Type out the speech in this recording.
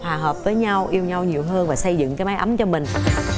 hòa hợp với nhau yêu nhau nhiều hơn và xây dựng mái ấm cho mình